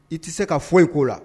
I tɛ se ka fɔ i ko la